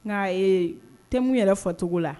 N ka te yɛrɛ fɔcogo la